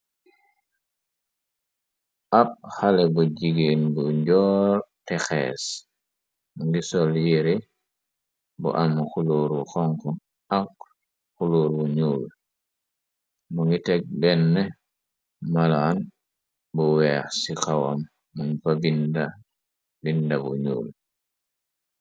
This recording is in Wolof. ab xale bu jigéen bu njoote xees ngi sol yire bu am xuluuru xonk ak xuluur wu ñuul mu ngi teg benn malaan bu weex ci xawam munu fa binda bu ñuul.